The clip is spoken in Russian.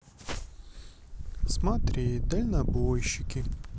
смотреть дальнобойщики